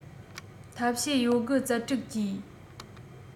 ཐབས ཤེས ཡོད རྒུ རྩལ སྤྲུགས ཀྱིས